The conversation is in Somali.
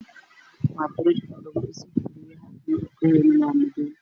Waa biraha lagu dhiso guryaha shubka